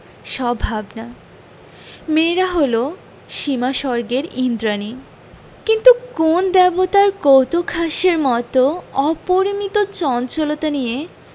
সব ভাবনা মেয়েরা হল সীমাস্বর্গের ঈন্দ্রাণী কিন্তু কোন দেবতার কৌতূকহাস্যের মত অপরিমিত চঞ্চলতা নিয়ে